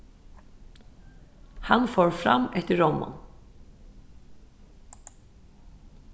hann fór fram eftir rommum